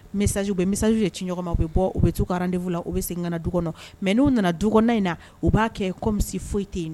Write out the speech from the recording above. Misisajbɛ misisaj ye ci ɲɔgɔn ma u bɛ bɔ u bɛ to garandenfu la u bɛ se ka du kɔnɔ mɛ n' nana du kɔnɔ in na u b'a kɛ kɔ misi foyi tɛ yen